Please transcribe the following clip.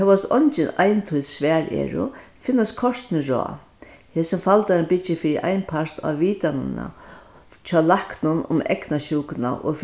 hóast eingin eintýdd svar eru finnast kortini ráð hesin faldarin byggir fyri ein part á vitanina hjá læknum um eygnasjúkuna og